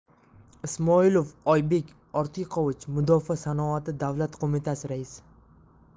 ismoilov oybek ortiqovich mudofaa sanoati davlat qo'mitasi raisi